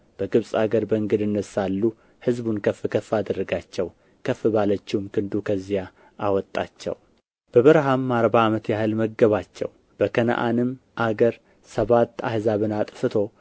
በግብፅ አገር በእንግድነት ሳሉ ሕዝቡን ከፍ ከፍ አደረጋቸው ከፍ ባለችውም ክንዱ ከዚያ አወጣቸው በበረሀም አርባ ዓመት ያህል መገባቸው በከነዓንም አገር ሰባት አሕዛብን አጥፍቶ